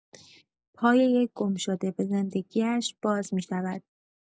پای یک گمشده به زندگی‌اش باز می‌شود.